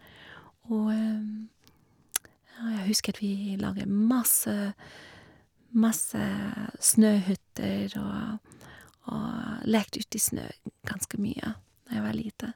Og, ja, jeg husket vi lage masse masse snøhytter og og lekte uti snøen ganske mye når jeg var lita.